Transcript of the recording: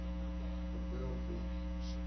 — котбый абзый